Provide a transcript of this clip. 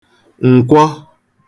ǹkwọ